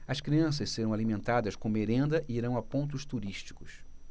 as crianças serão alimentadas com merenda e irão a pontos turísticos